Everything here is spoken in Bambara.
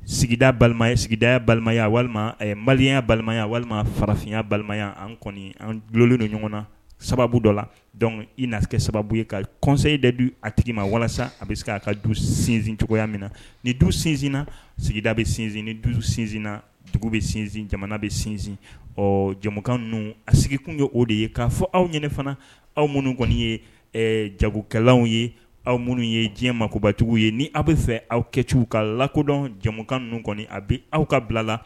Sigida balimaya sigidaya balimaya walima maliya balimaya walima farafinya balimaya an kɔni an bulonlon don ɲɔgɔn na sababu dɔ la dɔnku iina sababu ye ka kɔsan ye de dun a tigi ma walasa a bɛ se k'a ka du sinsin cogoya min na ni du sinsinina sigida bɛ sinsin ni du sinsinina dugu bɛ sinsin jamana bɛ sinsin ɔ jamukan ninnu a sigikun ye o de ye k'a fɔ aw ɲini fana aw minnu kɔni ye jagokɛlalan ye aw minnu ye diɲɛ mabatigiw ye ni aw bɛ fɛ aw kɛcogo ka lakodɔn jamukan ninnu kɔni a bɛ aw ka bila la